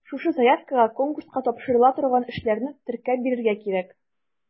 Шушы заявкага конкурска тапшырыла торган эшләрне теркәп бирергә кирәк.